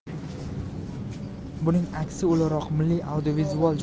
buning aksi o'laroq milliy audiovizual